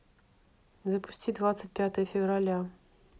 запусти двадцать пятое февраля